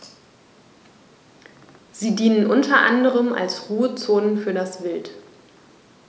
Sie dienen unter anderem als Ruhezonen für das Wild.